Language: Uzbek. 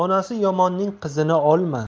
onasi yomonning qizini olma